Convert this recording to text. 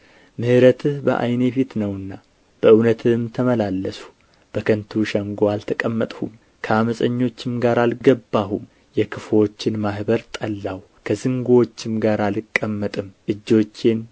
ምሕረትህ በዓይኔ ፊት ነውና በእውነትህም ተመላለስሁ በከንቱ ሸንጎ አልተቀመጥሁም ከዓመፀኞችም ጋር አልገባሁም የክፉዎችን ማኅበር ጠላሁ ከዝንጉዎችም ጋር አልቀመጥም እጆቼን